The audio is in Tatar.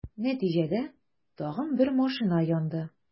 Нәтиҗәдә, тагын бер машина янды.